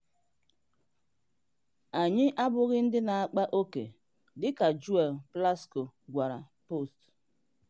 Anyị abụghị ndị na akpa oke,” di ya Joel Plasco gwara Post.